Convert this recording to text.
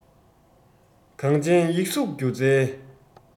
གངས ཅན ཡིག གཟུགས སྒྱུ རྩལ